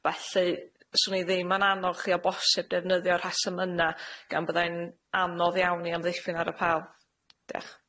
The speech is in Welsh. Felly swn i ddim yn annog chi o bosib defnyddio rhesym yna gan byddai'n anodd iawn i amddiffyn yr apêl. Diolch.